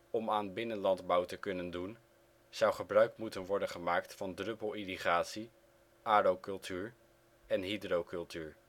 Om aan binnenlandbouw te kunnen doen, zou gebruik moeten worden gemaakt van druppelirrigatie, aerocultuur en hydrocultuur